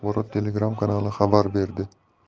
telegram kanali xabar berdi